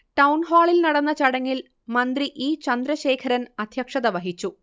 ടൗൺഹാളിൽ നടന്ന ചടങ്ങിൽ മന്ത്രി ഇ. ചന്ദ്രശേഖരൻ അധ്യക്ഷതവഹിച്ചു